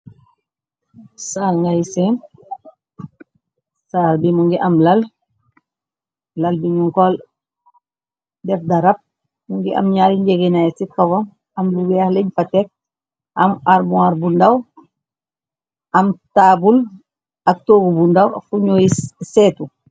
Saal ngay seen saal bi mu ngi am lal lal bi ñu kol def darab. Mu ngi am ñaari njegenaay ci towo am lu weexliñ patekk. Am armoire bu ndaw am taabul ak toogu bu ndaw fuñuy seetu.